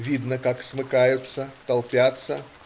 Видно, как смыкаются, толпятся.